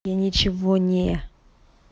я ничего не